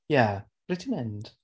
Ie, ble ti'n mynd?